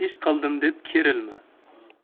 ish qildim deb kerilma